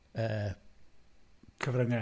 Yy cyfryngau.